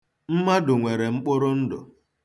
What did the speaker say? Mmadụ nwere mkpụrụndụ.